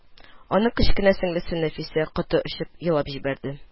Аның кечкенә сеңлесе Нәфисә коты очып елап җибәрде